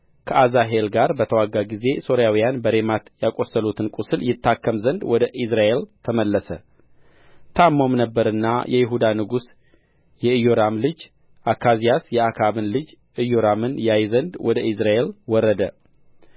ከአዛሄል ጋር በተዋጋ ጊዜ ሶርያውያን በሬማት ያቈሰሉትን ቍስል ይታከም ዘንድ ወደ ኢይዝራኤል ተመለሰ ታምሞም ነበርና የይሁዳ ንጉሥ የኢዮራም ልጅ አካዝያስ የአክዓብን ልጅ ኢዮራምን ያይ ዘንድ ወደ ኢይዝራኤል ወረደ